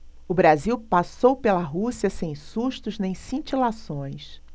o brasil passou pela rússia sem sustos nem cintilações